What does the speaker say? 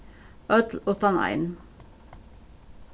øll uttan ein